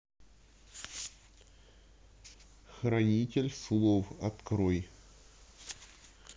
хранитель слов открой